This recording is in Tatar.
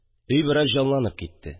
Өй бераз җанланып китте.